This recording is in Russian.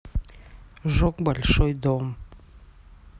сжег большой дом